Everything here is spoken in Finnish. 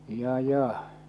ja ja